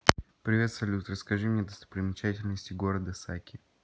привет салют расскажи мне достопримечательности города саки